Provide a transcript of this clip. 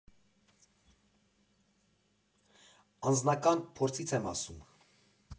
Անձնական փորձից եմ ասում։